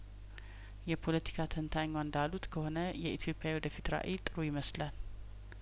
የፖለቲካ ተንታኟ እንዳሉት ከሆነ የኢትዮጲያ የወደፊት ራእይ ጥሩ ይመስላል